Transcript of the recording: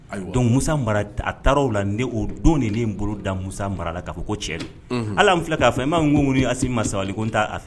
Dɔn mu mara a taaraw la n o don nin n bolo da musa mara la k'a fɔ ko cɛ ala filɛ k'a fɛ n ma n ŋ mun a sabali n t' a fɛ